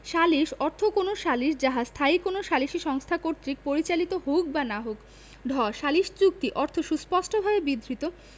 সালিস অর্থ কোন সালিস যাহা স্থায়ী কোন সালিসী সংস্থা কর্তৃক পরিচালিত হউক বা না হউক ঢ সালিস চুক্তি অর্থ সুস্পষ্টভাবে বিধৃত